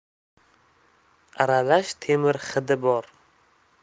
aralash temir hidi bor